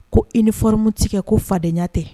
Ko i ni famu tɛ ko fadenyaya tɛ